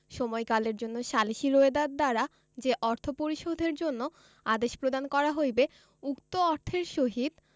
সময়কালের জন্য সালিসী রোয়েদাদ দ্বারা যে অর্থ পরিশোধের জন্য আদেশ প্রদান করা হইবে উক্ত অর্থের সাহিত